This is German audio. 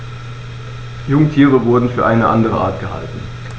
Jungtiere wurden für eine andere Art gehalten.